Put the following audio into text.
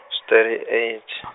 is thirty eight .